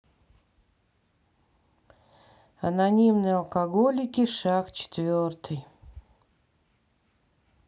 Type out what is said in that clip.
анонимные алкоголики шаг четвертый